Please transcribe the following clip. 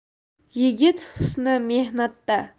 yigit husni mehnatda